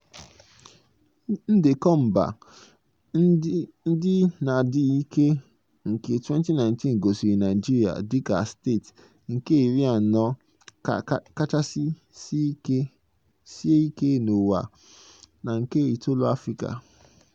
Ndekọ Mba Ndị Na-adịghị Ike nke 2019 gosiri Naịjirịa dịka steeti nke iri na anọ kachasị sie ike n'ụwa na nke itoolu n'Africa.